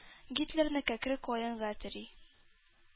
Гитлерны кәкре каенга тери.